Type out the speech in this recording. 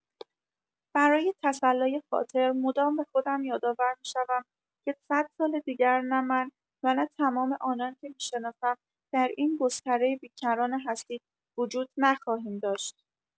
برای تسلای خاطر، مدام به خودم یادآور می‌شوم که صد سال دیگر نه من و نه تمام آنان که می‌شناسم در این گستره بی‌کران هستی وجود نخواهیم داشت.